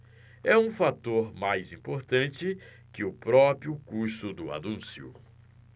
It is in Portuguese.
é um fator mais importante que o próprio custo do anúncio